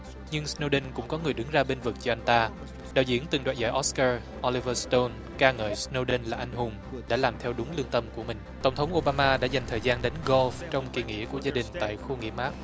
nhưng sờ nâu đừn cũng có người đứng ra bênh vực cho anh ta đạo diễn từng đoạt giải ót cơ âu li vơ sờ tôn ca ngợi sờ nâu đừn là anh hùng đã làm theo đúng lương tâm của mình tổng thống ô ba ma đã dành thời gian đánh gôn trong kỳ nghỉ của gia đình tại khu nghỉ mát